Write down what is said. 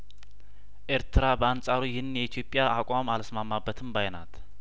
ኤርትራ በአንጻሩ ይህን የኢትዮጵያ አቋም አልስማማ በትም ባይናት